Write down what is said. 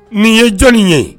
Nin ye jɔn ye